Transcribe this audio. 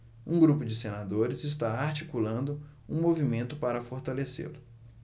um grupo de senadores está articulando um movimento para fortalecê-lo